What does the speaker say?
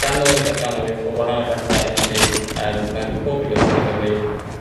gannoedd a'r gannoedd o wahanol bethe i wneud mewn bob brifysgol yng Nghymru